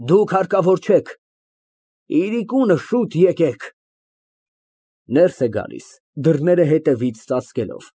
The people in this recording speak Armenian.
Դուք հարկավոր չեք։ Իրիկունը շուտ եկեք։ (Ներս է գալիս, դռները հետևից ծածկելով)։